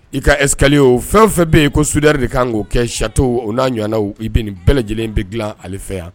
I ka escalierw fɛn o fɛn bɛ yen ko soudeur de kan k'o kɛ chateau o n'a ɲɔgɔnna i bɛ nin bɛɛ lajɛlen bɛ dilan ale fɛ yan